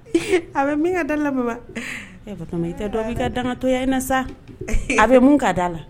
A bɛ min ka da la mama, e Batɔɔma i tɛ dɔɔnin bɔ i ka dangatɔya in na sa, a bɛ mun ka da la